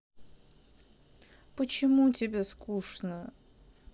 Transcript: почему тебе скучно